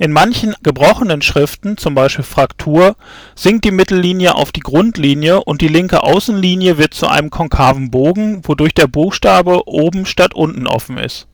manchen gebrochenen Schriften (z.B. Fraktur) sinkt die Mittellinie auf die Grundlinie und die linke Außenlinie wird zu einem konkaven Bogen, wodurch der Buchstabe oben statt unten offen ist